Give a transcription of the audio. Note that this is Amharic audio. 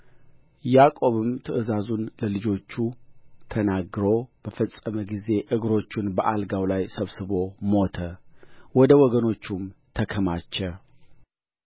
ያዕቆብም ትእዛዙን ለልጆቹ ተናግሮ በፈጸመ ጊዜ እግሮቹን በአልጋው ላይ ሰብስቦ ሞተ ወደ ወገኖቹም ተከማቸ